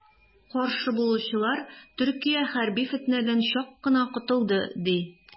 Каршы булучылар, Төркия хәрби фетнәдән чак кына котылды, ди.